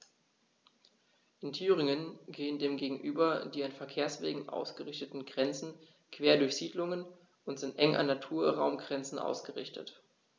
In Thüringen gehen dem gegenüber die an Verkehrswegen ausgerichteten Grenzen quer durch Siedlungen und sind eng an Naturraumgrenzen ausgerichtet.